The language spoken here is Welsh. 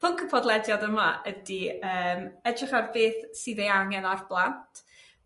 Pwnc y podlediad yma ydy yym edrych ar beth sydd ei angen ar blant.